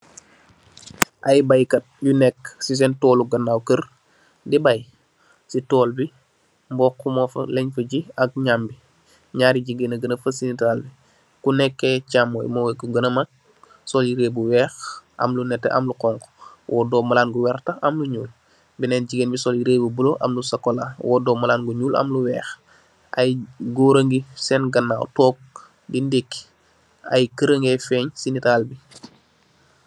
Ay baykat yu neek si seen toolu ganaaw kër di bëy. Mbooxu lañ fa gii, ñaari jigéen a fa gëna fês,... chamooy mooy ki ganë mak, ki sol bu weex am lu nétté am lu xoñxu ,woddo lu. Benen jigéen bi.. woddo malaan bu ñuul, am lu weex, ay goor a ngi toog seen ganaaw toog di ndëké, ay ker a ngee feeng